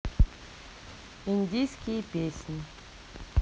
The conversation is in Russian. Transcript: индийские песни